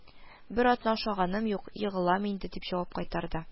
Бер атна ашаганым юк, егылам инде, – дип җавап кайтарды